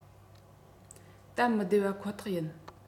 སྟབས མི བདེ བ ཁོ ཐག ཡིན